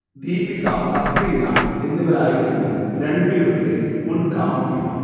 ദീപിക, കത്രീന എന്നിവരായിരുന്നു റൺബീറിന്റെ മുൻ കാമുകിമാർ